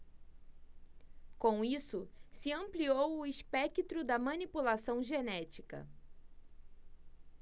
com isso se ampliou o espectro da manipulação genética